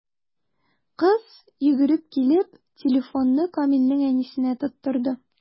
Кыз, йөгереп килеп, телефонны Камилнең әнисенә тоттырды.